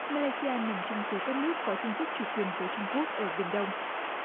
ma lai si a nằm trong số các nước có tranh chấp chủ quyền với trung quốc ở biển đông